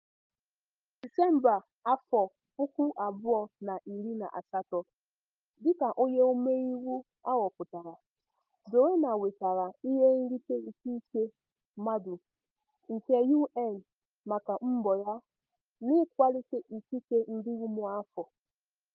Na Disemba afọ 2018, dịka onye omeiwu a họpụtara, Joenia nwetara ihe nrite ikike mmadụ nke UN maka mbọ ya n'ịkwalite ikike ndị ụmụafọ.